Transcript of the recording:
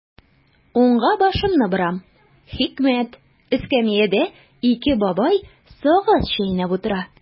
Уңга башымны борам– хикмәт: эскәмиядә ике бабай сагыз чәйнәп утыра.